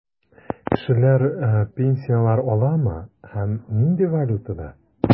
Кешеләр пенсияләр аламы һәм нинди валютада?